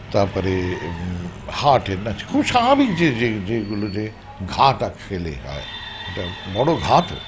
তারপরে হার্টের খুবই স্বাভাবিক যেগুলো যে ঘা টা খেলে হয় একটা বড় ঘা তো